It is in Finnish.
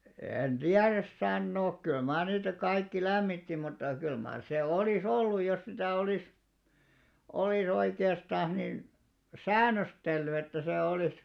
en tiedä sanoa kyllä mar niitä kaikki lämmitti mutta kyllä mar se olisi ollut jos sitä olisi olisi oikeastaan niin säännöstellyt että se olisi